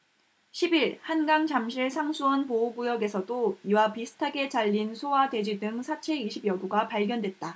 십 일 한강 잠실 상수원 보호구역에서도 이와 비슷하게 잘린 소와 돼지 등 사체 이십 여 구가 발견됐다